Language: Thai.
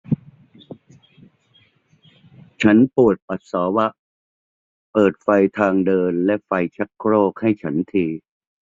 ฉันปวดปัสสาวะเปิดไฟทางเดินและไฟชักโครกให้ฉันที